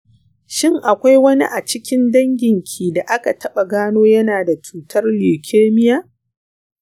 shin akwai wani a cikin danginki da aka taɓa gano yana da cutar leukaemia ?